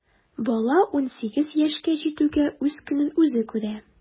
Бала унсигез яшькә җитүгә үз көнен үзе күрә.